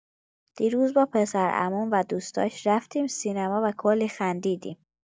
دیروز با پسرعموم و دوستاش رفتیم سینما و کلی خندیدیم.